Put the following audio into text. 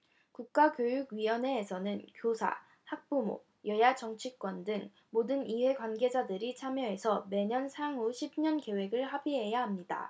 국가교육위원회에서는 교사 학부모 여야 정치권 등 모든 이해관계자들이 참여해서 매년 향후 십 년 계획을 합의해야 합니다